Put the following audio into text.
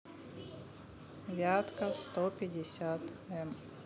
вятка в сто пятьдесят м